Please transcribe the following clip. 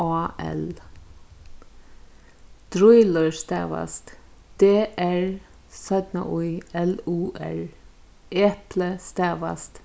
á l drýlur stavast d r ý l u r epli stavast